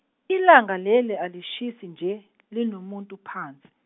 ilanga leli alishisi nje linomuntu phansi.